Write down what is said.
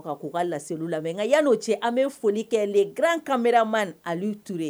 k'u ka laseliw lamɛn ka yann'o cɛ an bɛ foli kɛl le grand caméraman Alu Ture